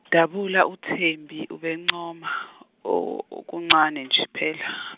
Dabula uThembi ubencoma o- okuncane nje phela.